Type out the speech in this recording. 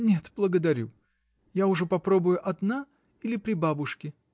— Нет, благодарю: я ужо попробую одна или при бабушке.